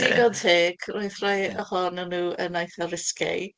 Digon teg, roedd rhai... Ie. ...ohonyn nhw yn eitha risqué.